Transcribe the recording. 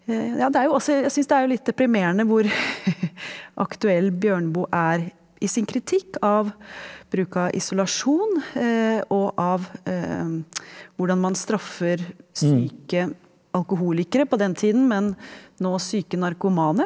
ja det er jo også jeg syns det er jo litt deprimerende hvor aktuell Bjørneboe er i sin kritikk av bruk av isolasjon og av hvordan man straffer syke alkoholikere på den tiden, men nå syke narkomane.